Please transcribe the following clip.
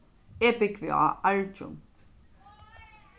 eg búgvi á argjum